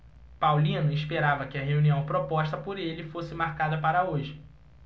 paulino esperava que a reunião proposta por ele fosse marcada para hoje